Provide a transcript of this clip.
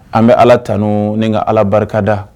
An bɛ ala tanu ni ka ala barikada.